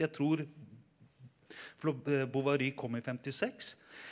jeg tror Bovary kom i femtiseks.